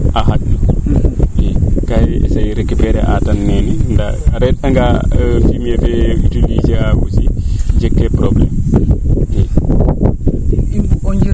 a xag i kaa i essayer a recuperer a tan neene ndaa a rend anga aussi jeg kee probleme i